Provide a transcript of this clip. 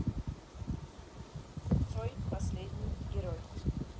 цой последний герой